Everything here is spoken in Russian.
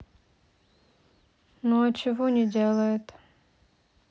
ну а чего не делает